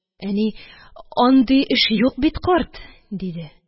Әни: – Андый эш юк бит, карт! – диде